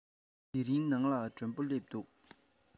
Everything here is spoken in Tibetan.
འབྲེལ ཡོད མི དམངས ཚོགས པ